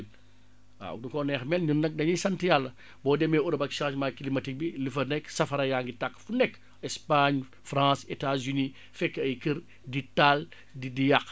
waaw nu ko neex mel ñun nag dañuy sant Yàlla boo demee Europe ak changement climatique bi li fa nekk safara yaa ngi tàkk fu nekk Espagne France Etats-Unis fekk ay kër di taal di di yàq